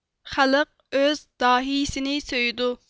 خەلق ئۆز داھىيسىنى سۆيىدۇ